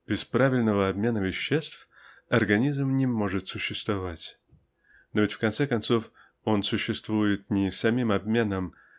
Без правильного обмена веществ организм не может существовать но ведь в конце концов он существует не самим обменом